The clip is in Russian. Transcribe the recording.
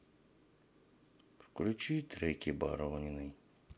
включи треки борониной